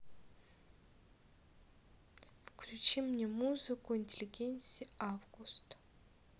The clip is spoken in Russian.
включи мне музыку интелигенси август